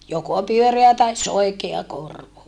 joko pyöreä tai soikea korvo